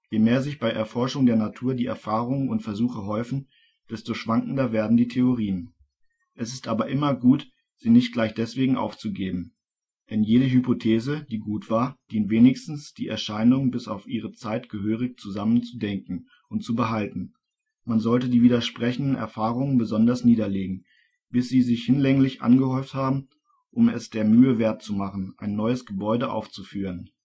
Je mehr sich bei Erforschung der Natur die Erfahrungen und Versuche häufen, desto schwankender werden die Theorien. Es ist aber immer gut sie nicht gleich deswegen aufzugeben. Denn jede Hypothese, die gut war, dient wenigstens die Erscheinungen bis auf ihre Zeit gehörig zusammen zu denken und zu behalten. Man sollte die widersprechenden Erfahrungen besonders niederlegen, bis sie sich hinlänglich angehäuft haben um es der Mühe wert zu machen ein neues Gebäude aufzuführen